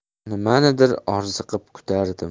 nimanidir orziqib kutardim